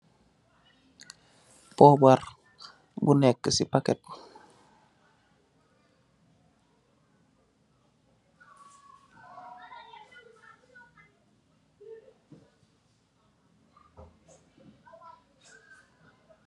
Poobar, bu nek si packet.